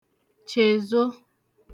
chèzo